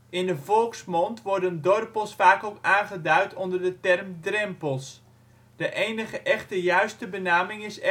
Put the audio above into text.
In de volksmond worden dorpels vaak ook aangeduid onder de term drempels. De enige echte juiste